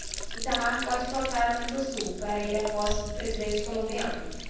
itamar pode faltar a mercosul para ir à posse do presidente colombiano